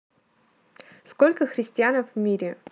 сколько христианов в мире